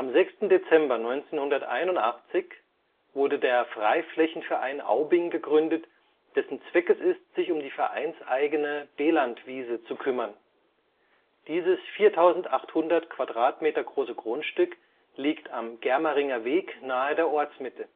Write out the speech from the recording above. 6. Dezember 1981 wurde der Freiflächenverein Aubing gegründet, dessen Zweck es ist, sich um die vereinseigene Belandwiese zu kümmern. Dieses 4800 Quadratmeter große Grundstück liegt am Germeringer Weg nahe der Ortsmitte